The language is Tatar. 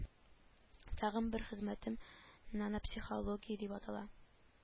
Тагын бер хезмәтем нанопсихология дип атала